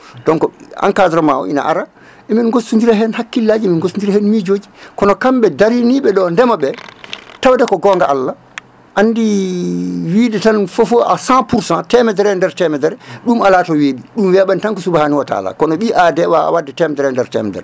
donc encadrement ma o ina ara emin gossodira hen hakkillaji emi gossodira hen mijoji kono kamɓe dariniɓe ɗo ndeema ɓe tawde ko gonga Allah andi wiide tan fofoof à cent pourcent temedere e ner temedere ɗum ala to weeɓi ɗum weeɓani tan ko subahanahu wa tala kono ɓi aade wawa wadde temedere e nder temedere